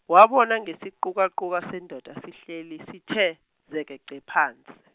wabona ngesiqukaquka sendoda sihleli sithe, zekece phansi.